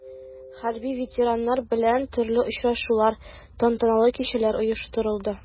Хәрби ветераннар белән төрле очрашулар, тантаналы кичәләр оештырылды.